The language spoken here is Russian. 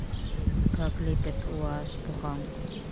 как лепят уаз буханку